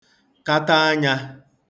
kata anyā